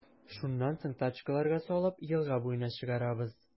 Шуннан соң, тачкаларга салып, елга буена чыгарабыз.